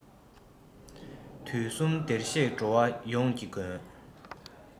དུས གསུམ བདེར གཤེགས འགྲོ བ ཡོངས ཀྱི མགོན